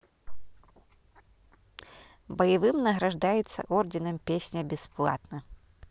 боевым награждается орденом песня бесплатно